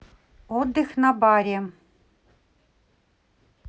отдых на баре